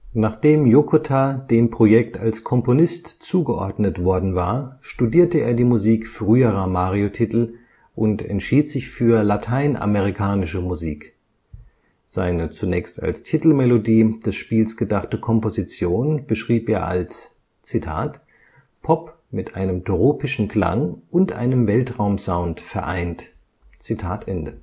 Nachdem Yokota dem Projekt als Komponist zugeordnet worden war, studierte er die Musik früherer Mario-Titel und entschied sich für lateinamerikanische Musik. Seine zunächst als Titelmelodie des Spiels gedachte Komposition beschrieb er als „ Pop mit einem tropischen Klang und einem Weltraum-Sound [vereint] “. Kondō